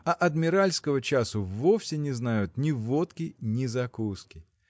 а адмиральского часу вовсе не знают – ни водки ни закуски.